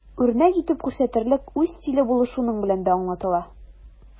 Үрнәк итеп күрсәтерлек үз стиле булу шуның белән дә аңлатыла.